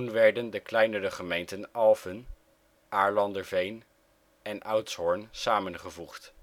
werden de kleinere gemeenten Alphen, Aarlanderveen en Oudshoorn samengevoegd